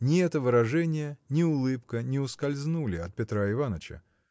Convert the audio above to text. Ни это выражение, ни улыбка не ускользнули от Петра Иваныча.